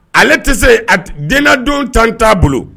Ale te se a t dennadon temps t'a bolo